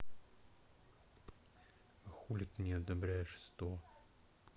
а хули ты не одобряешь сто